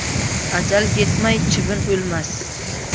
ajal yetmay chivin o'lmas